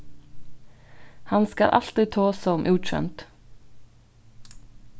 hann skal altíð tosa um útsjónd